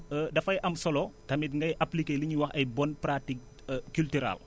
dafay am solo tamit ngay appliqué li ñuy wax ay bonne pratique culturale